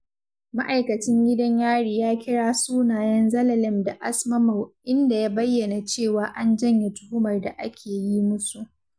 Ma'aikacin gidan Yari ya kira sunayen Zelalem da Asmamaw, inda ya bayyana cewa an janye tuhumar da ake yi musu.